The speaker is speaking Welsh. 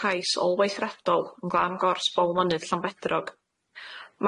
cais olweithredol ynglŷn â'm gors bob mynydd Llanbedrog.